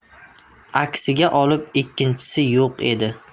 aksiga olib ikkinchisi yo'q edi